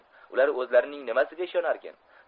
ular o'zlarining nimasiga ishonarkin